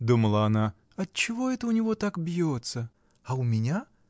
— думала она, — отчего это у него так бьется? А у меня?